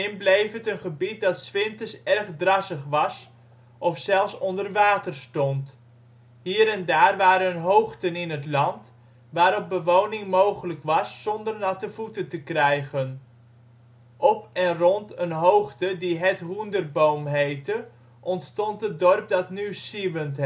bleef het een gebied dat’ s winters erg drassig was of zelfs onder water stond. Hier en daar waren hoogten in het land, waarop bewoning mogelijk was zonder natte voeten te krijgen. Op en rond een hoogte die Het Hoenderboom heette ontstond het dorp dat nu Zieuwent